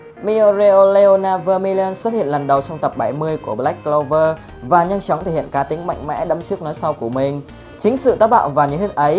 meoreoleona vermilion xuất hiện lần đầu trong tập của black clover và nhanh chóng thể hiện cá tính mạnh mẽ đấm trước nói sau của mình chính sự táo bạo và nhiệt huyết ấy